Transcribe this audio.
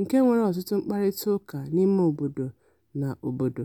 nke nwere ọtụtụ mkparịtaụka n'imeobodo na obodo.